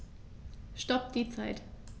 Stopp die Zeit